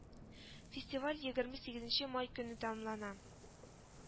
Фестиваль егерме сигезенче май көнне тәмамлана